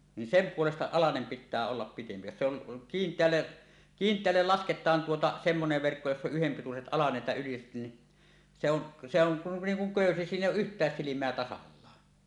niin sen puolesta alanen pitää olla pidempi jos se on kiinteälle kiinteälle lasketaan tuota semmoinen verkko jossa on yhdenpituiset alaset ja yliset niin se on se on kuin niin kuin köysi siinä ei ole yhtään silmää tasallaan